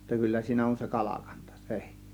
jotta kyllä siinä on se kalakanta -